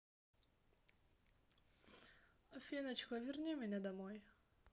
афиночка верни меня домой